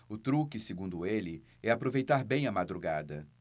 o truque segundo ele é aproveitar bem a madrugada